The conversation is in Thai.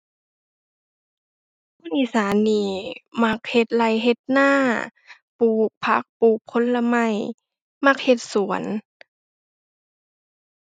คนอีสานนี่มักเฮ็ดไร่เฮ็ดนา ปลูกผัก ปลูกผลไม้ มักเฮ็ดสวน